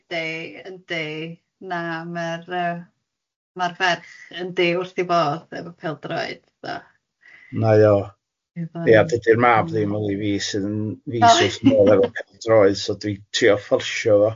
Yndi yndi na, ma'r yy ma'r fer- ferch yndi wrth i bodd efo pêl-droed so... Nai o ia dydi'r mab ddim yli fi sydd yn fis wyth mor efo pêl-droed so dwi'n trio fforsio fo,